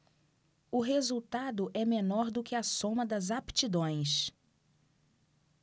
o resultado é menor do que a soma das aptidões